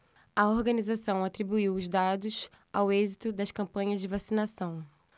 a organização atribuiu os dados ao êxito das campanhas de vacinação